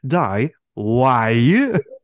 Dau Why?